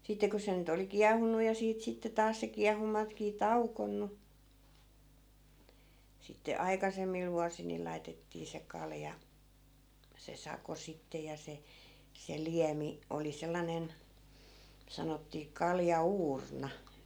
sitten kun se nyt oli kiehunut ja siitä sitten taas se kiehuntakin tauonnut sitten aikaisemmilla vuosilla niin laitettiin se kalja se sako sitten ja se se liemi oli sellainen sanottiin kaljauurna